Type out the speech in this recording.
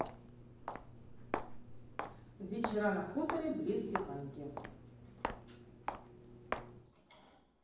вечера на хуторе близ диканьки